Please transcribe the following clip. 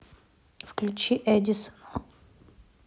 включи эдисона